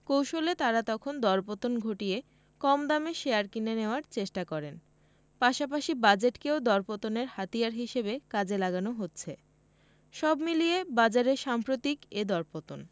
কৌশলে তাঁরা তখন দরপতন ঘটিয়ে কম দামে শেয়ার কিনে নেওয়ার চেষ্টা করেন পাশাপাশি বাজেটকেও দরপতনের হাতিয়ার হিসেবে কাজে লাগানো হচ্ছে সব মিলিয়ে বাজারের সাম্প্রতিক এ দরপতন